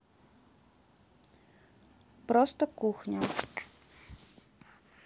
просто кухня